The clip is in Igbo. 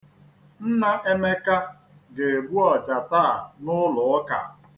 Nna Emeka ga-egbu ọja taa n'ụlụụka.